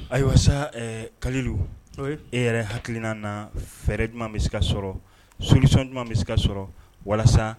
Ayiwa kalilu n'o ye e yɛrɛ hakilikinan na fɛɛrɛ jumɛn bɛ se ka sɔrɔ solisɔn jumɛn bɛ se ka sɔrɔ walasa